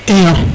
iyo